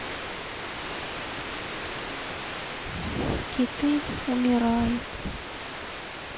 киты умирают